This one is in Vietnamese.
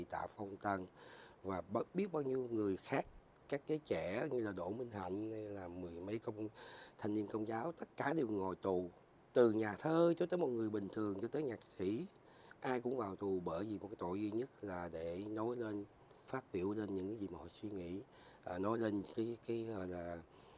tạ phong tần và bận biết bao nhiêu người khác các gái trẻ như đỗ minh hạnh hay là mười mấy cậu thanh niên công giáo tất cả đều ngồi tù từ nhà thơ cho tới một người bình thường cho tới nhạc sĩ ai cũng vào tù bởi vì cái tội duy nhất là để nối lên phát biểu trên những gì mọi suy nghĩ đã nói lên kí kí gọi là